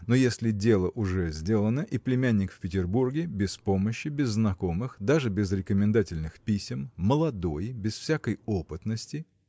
но если дело уже сделано и племянник в Петербурге без помощи без знакомых даже без рекомендательных писем молодой без всякой опытности.